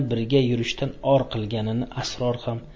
birga yurishdan or qilganini sror xam